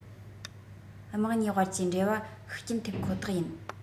དམག གཉིས དབར གྱི འབྲེལ བ ཤུགས རྐྱེན ཐེབ ཁོ ཐག ཡིན